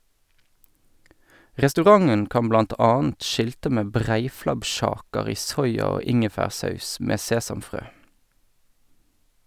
Restauranten kan blant annet skilte med breiflabbkjaker i soya- og ingefærsaus med sesamfrø.